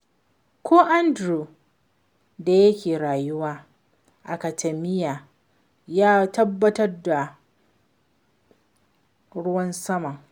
Ko Andrew da yake rayuwa a Katameyya ya tabbatar da ruwan saman!